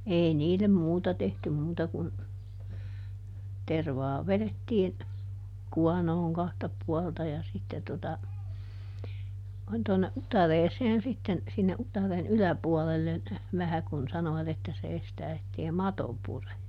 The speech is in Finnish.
ei niille muuta tehty muuta kuin tervaa vedettiin kuonoon kahta puolta ja sitten tuota noin tuonne utareeseen sitten sinne utareen yläpuolelle vähän kun sanoivat että se estää että ei mato pure